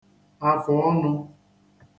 afọọnụ